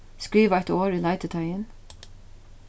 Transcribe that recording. skriva eitt orð í leititeigin